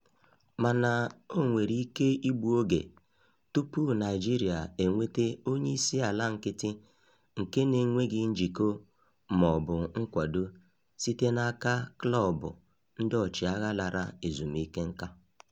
Mana o nwere ike igbu oge tupu Naịjirịa enweta onyeisiala nkịtị nke na-enweghị njikọ ma ọ bụ nkwado site n'aka "klọọbụ" ndị ọchịagha lara ezumike nka.